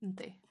Yndi.